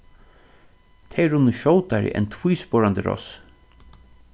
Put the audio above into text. tey runnu skjótari enn tvísporandi ross